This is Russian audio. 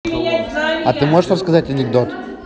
а ты можешь рассказать анекдот